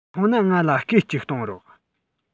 སོང ན ང ལ སྐད ཅིག གཏོང རོགས